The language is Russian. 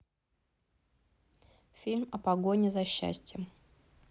фильм в погоне за счастьем